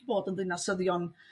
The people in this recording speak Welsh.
i fod yn ddinasyddion